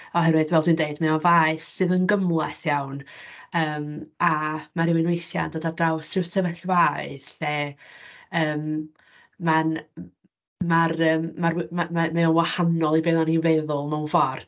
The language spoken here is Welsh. Oherwydd, fel dwi'n deud, mae o'n faes sydd yn gymhleth iawn, yym, a ma' rywun weithiau yn dod ar draws ryw sefyllfaoedd lle yym mae'n... ma'r yym ma'r wy-... ma' mae mae o'n wahanol i be oedden ni'n feddwl mewn ffordd.